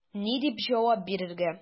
Ни дип җавап бирергә?